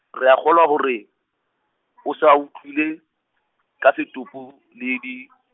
re a kgolwa hore, o sa utlwile , ka setopo, le di-.